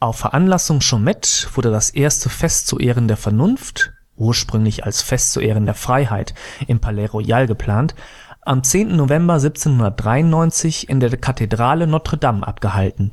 Auf Veranlassung Chaumettes wurde das erste Fest zu Ehren der Vernunft (ursprünglich als Fest zu Ehren der Freiheit im Palais-Royal geplant) am 10. November 1793 in der Kathedrale Nôtre-Dame abgehalten,